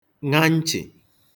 ṅa ntchị̀